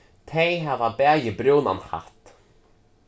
tey hava bæði brúnan hatt